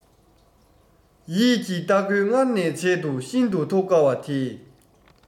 ཡིད ཀྱི སྟ གོན སྔར ནས བྱས འདུག ཤིན ཏུ ཐོབ དཀའ བ དེ